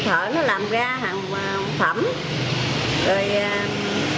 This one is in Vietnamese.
thợ nó làm ra hàng phẩm rồi a